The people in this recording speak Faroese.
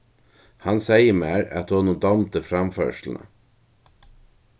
hann segði mær at honum dámdi framførsluna